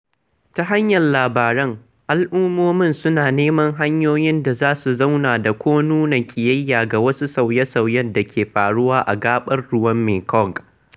Ta hanyar labaran, al'ummomin suna neman hanyoyin da za su zauna da ko nuna ƙiyayya ga wasu sauye-sauyen da suke faruwa a gaɓar ruwan Mekong.